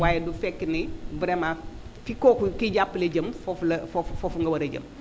waaye du fekk ne vraiment fi kooku kiy jàppale jëm foofu la foofu nga war a jëm